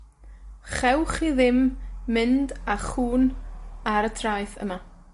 Chewch chi ddim mynd â chŵn ar y traeth yma.